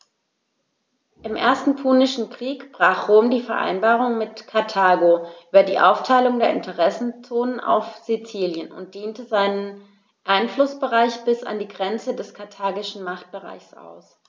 Im Ersten Punischen Krieg brach Rom die Vereinbarung mit Karthago über die Aufteilung der Interessenzonen auf Sizilien und dehnte seinen Einflussbereich bis an die Grenze des karthagischen Machtbereichs aus.